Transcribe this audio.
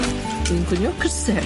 Dwi'n gwinio cryse.